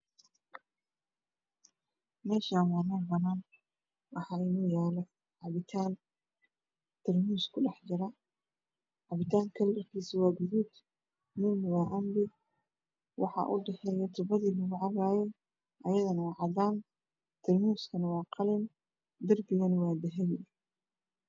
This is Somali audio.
Meshan wameelbannan waxayna yalo cabitan tarmuskudhaxjiro cabitankamidibkisa waagaduud midna waacambi waxan udhexeya tubadiilagucabayey ayadanawacadan talrmuskanawaqalin derbigan wadahabi